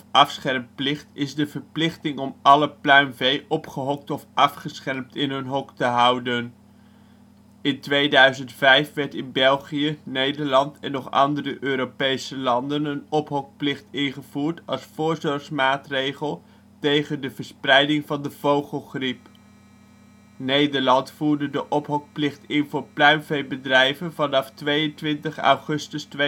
afschermplicht is de verplichting om alle pluimvee opgehokt of afgeschermd in hun hok te houden. In 2005 werd in België, Nederland en nog andere Europese landen een ophokplicht ingevoerd als voorzorgsmaatregel tegen de verspreiding van de vogelgriep. Nederland voerde de ophokplicht in voor pluimveebedrijven vanaf 22 augustus 2005